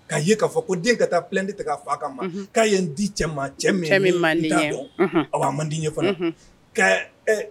Ka ye k'a fɔ ko den ka taa plainte tigɛ a fa kama. Unhun! k'a ye n di cɛ ma, cɛ min mandi n ye. . Cɛ min mandi ne ye, Unhun. N t'a dɔn, ayiwa a man di ye fana. Unhun ! Ka